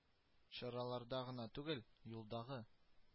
Чараларда гына түгел, юлдагы